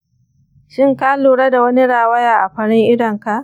shin ka lura da wani rawaya a farin idonka?